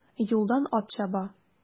Юлдан ат чаба.